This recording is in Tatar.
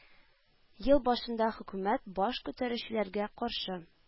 Ел башында хөкүмәт баш күтәрүчеләргә каршы